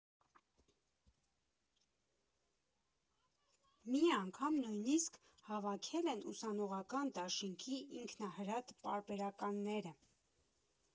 Մի անգամ նույնիսկ հավաքել են ուսանողական դաշինքի ինքնահրատ պարբերականները։